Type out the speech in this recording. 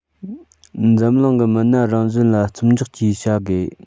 འཛམ གླིང གི སྣ མང རང བཞིན ལ བརྩི འཇོག བཅས བྱ དགོས